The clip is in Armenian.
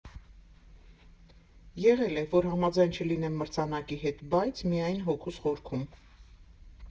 Եղել է, որ համաձայն չլինեմ մրցանակի հետ, բայց՝ միայն հոգուս խորքում։